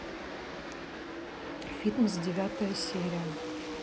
фитнес девятая серия